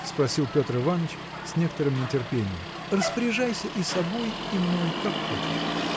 – спросил Петр Иваныч с некоторым нетерпением. – Распоряжайся и собой и мной как хочешь